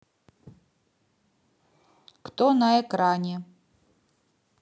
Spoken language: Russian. кто на экране